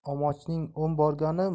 omochning o'n borgani